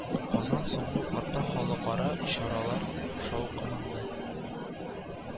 Казан соңгы вакытта халыкара чаралар шаукымында